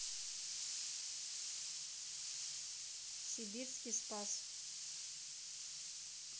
сибирский спас